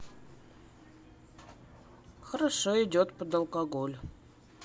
хорошо идет под алкоголь